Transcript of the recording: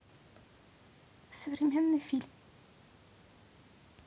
современный фильм